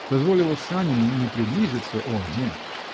дозволила Санину -- не приблизиться. о нет!